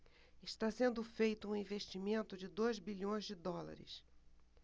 está sendo feito um investimento de dois bilhões de dólares